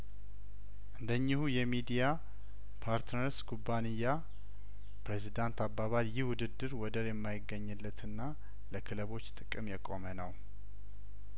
እንደ እኚሁ የሚዲያ ፓርትነርስ ኩባንያ ፕሬዚዳንት አባባል ይህ ውድድር ወደር የማይገኝለትና ለክለቦች ጥቅም የቆመ ነው